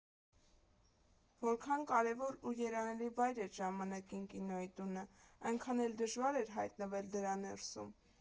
Որքան կարևոր ու երանելի վայր էր ժամանակին Կինոյի տունը, այնքան էլ դժվար էր հայտնվել դրա ներսում։